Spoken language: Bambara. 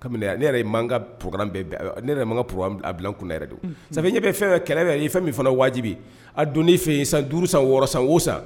Kabini ne yɛrɛ man ka pk ne yɛrɛ ka p a bila kunɛ yɛrɛ don saga ɲɛ bɛ fɛn fɛ kɛlɛ'i fɛn min fana wajibi a don' fɛ' san duuru san wɔɔrɔ san wo san